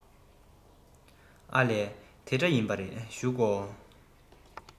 ཨ ལས དེ འདྲ ཡིན པ རེད བཞུགས དགོ